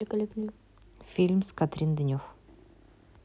фильмы с катрин денев